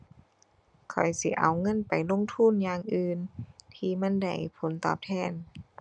ข้อยสิเอาเงินไปลงทุนอย่างอื่น ที่มันได้ผลตอบแทน